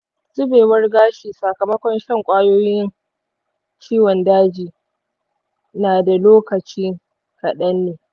zubewar gashi sakamakon shan kwayoyin ciwon daji na dan lokaci kadanne.